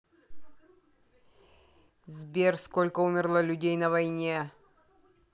сбер сколько умерло людей на войне